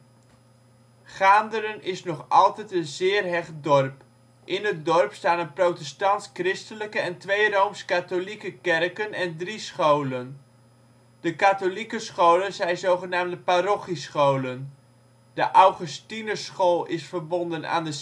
Gaanderen is nog altijd een zeer hecht dorp. In het dorp staan een protestants-christelijke en twee rooms-katholieke kerken en drie scholen. De katholieke scholen zijn zg. parochiescholen; de Augustinusschool is verbonden aan de